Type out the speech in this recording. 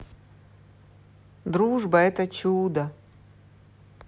дружба это чудо